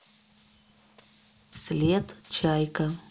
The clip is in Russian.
след чайка